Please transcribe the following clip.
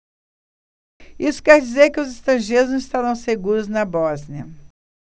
isso quer dizer que os estrangeiros não estarão seguros na bósnia